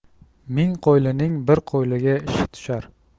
ming qo'ylining bir qo'yliga ishi tushar